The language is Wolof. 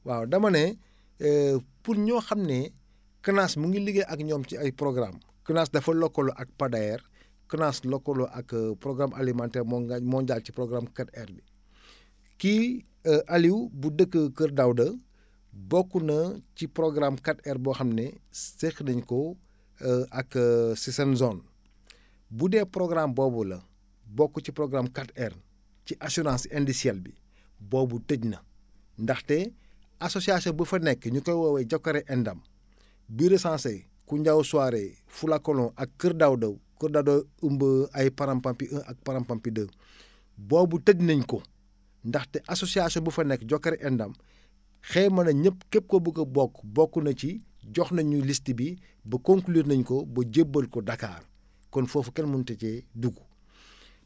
waaw dama ne pour ñoo xam ne CNAAS mu ngi liggéey ak ñoom ci ay programmes CNAAS dafa lëkkaloo ak Pader CNAAS lëkkaloo ak programme alimentaire mondial ci programme 4R bi kii Aliou bu dëkk Kër Daouda bokk na ci programme 4R boo xam ne seq nañu ko ak seen zone bu dee programme boobu la bokk ci programme 4R ci assurance indicelle bi boobu tëj na ndaxte association bu fa nekk ñu koy woowee Jokare Endam bi rencenser Koundiao Souare Fulakolon ak Kër Daouda Kër Daouda ëmb ay Parampampi 1 ak Parampami 2 boobu tëj nañ ko ndaxte association bu fa nekk Jokare Endam xayma nañ ñëpp képp ko bugg a bokk bokk na ci jox nañ ñu liste bi ba conclure nañ ko ba jébal ko Dakar kon foofu kenn munatul cee dugg